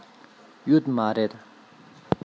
ཡོད མ རེད